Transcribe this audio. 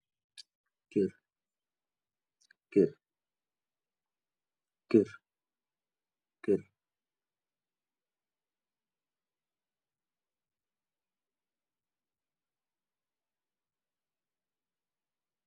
Keur, keur, keur, keur.